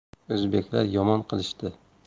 o'zbeklar yomon qilishdi